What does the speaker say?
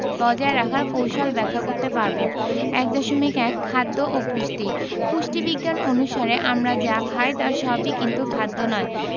বজায় রাখার কৌশল ব্যাখ্যা করতে পারব ১.১ খাদ্য ও পুষ্টি পুষ্টিবিজ্ঞান অনুসারে আমরা যা খাই তার সবই কিন্তু খাদ্য নয়